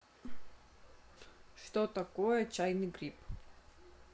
что такое чайный гриб